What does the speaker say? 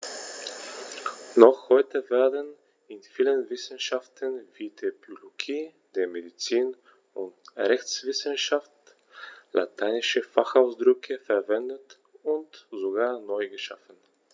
Noch heute werden in vielen Wissenschaften wie der Biologie, der Medizin und der Rechtswissenschaft lateinische Fachausdrücke verwendet und sogar neu geschaffen.